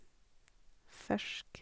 Fersk.